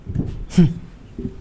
Un